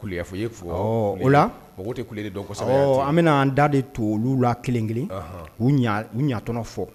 Ku foyi ye fɔ o la o tɛ kule de dɔ kɔsɔ an bɛna an da de to olu la kelenkelen u u ɲatɔnɔɔn fɔ